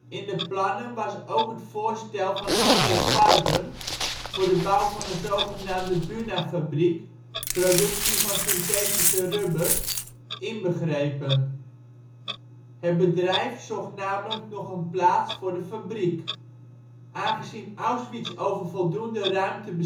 In de plannen was ook het voorstel van IG Farben voor de bouw van een zogenaamde Bunafabriek (productie van synthetisch rubber) inbegrepen. Het bedrijf zocht namelijk nog een plaats voor de fabriek. Aangezien Auschwitz over voldoende ruimte